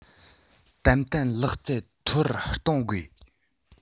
ཏན ཏན ལག རྩལ མཐོ རུ གཏོང དགོས